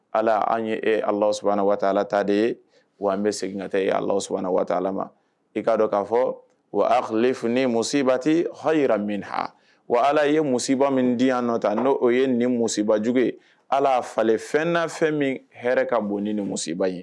Ala an ye e ala sana waalata de ye wa an bɛ seginta ye alasana waati ma i k'a dɔn k'a fɔ wa a f musosiba tɛ ha yira min h wa ala ye musosiba min di nɔ ta n' o ye nin musibajugu ye ala falen fɛnna fɛn min hɛ ka bon ni ni musiba ye